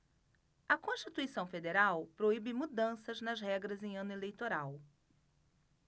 a constituição federal proíbe mudanças nas regras em ano eleitoral